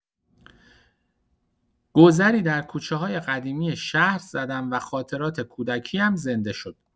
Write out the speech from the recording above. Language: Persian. گذری در کوچه‌های قدیمی شهر زدم و خاطرات کودکی‌ام زنده شد.